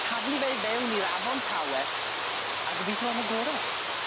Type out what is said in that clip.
Taflu fe i fewn i'r Afon Tawe, a gobitho am y gore'.